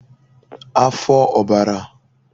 afọ ọ̀bara